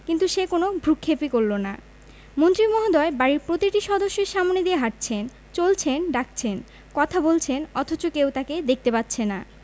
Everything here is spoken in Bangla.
কিন্তু সে কোনো ভ্রুক্ষেপই করল না মন্ত্রী মহোদয় বাড়ির প্রতিটি সদস্যের সামনে দিয়ে হাঁটছেন চলছেন ডাকছেন কথা বলছেন অথচ কেউ তাঁকে দেখতে পাচ্ছে না